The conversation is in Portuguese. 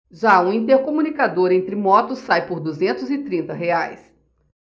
já o intercomunicador entre motos sai por duzentos e trinta reais